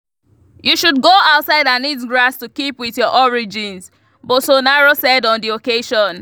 You should go outside and eat grass to keep with your origins, Bolsonaro said on the occasion.